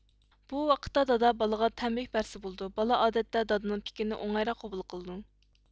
بۇ ۋاقىتتا دادا بالىغا تەنبىھ بەرسە بولىدۇ بالا ئادەتتە دادىنىڭ پىكرىنى ئوڭايراق قوبۇل قىلىدۇ